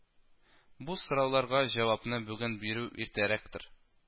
Бу сорауларга җавапны бүген бирү иртәрәктер